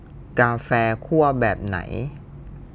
กาแฟคั่วแบบไหน